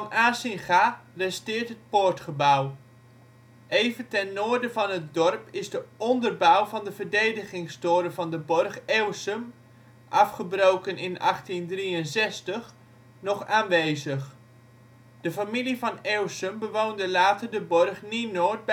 Asinga resteert het poortgebouw. Even ten noorden van het dorp is de onderbouw van de verdedigingstoren van de borg Ewsum (afgebroken in 1863) nog aanwezig. De familie Van Ewsum bewoonde later de borg Nienoord